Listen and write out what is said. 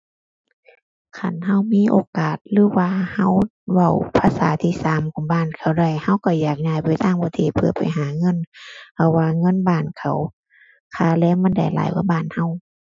คันเรามีโอกาสหรือว่าเราเว้าภาษาที่สามของบ้านเขาได้ เราเราอยากย้ายไปต่างประเทศเพื่อไปหาเงิน เพราะว่าเงินบ้านเขา ค่าแรงมันได้หลายกว่าบ้านเรา